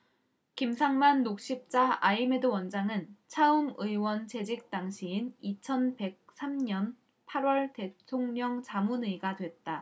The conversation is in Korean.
김상만 녹십자아이메드 원장은 차움의원 재직 당시인 이천 백 삼 년 팔 월 대통령 자문의가 됐다